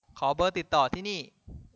ขอเบอร์ติดต่อที่นี่